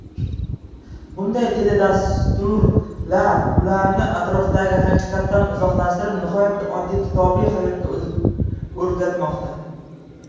bunday teledastrular ularni atrofdagi haqiqatdan uzoqlashtirib nihoyatda oddiy kitobiy hayotga o'rgatmoqda